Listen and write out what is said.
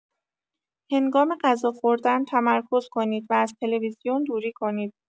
هنگام غذا خوردن تمرکز کنید و از تلویزیون دوری کنید.